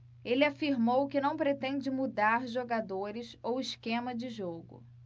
ele afirmou que não pretende mudar jogadores ou esquema de jogo